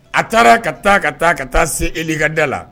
A taara ka taa ka taa ka taa se eli kada la